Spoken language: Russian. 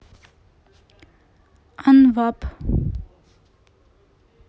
анвап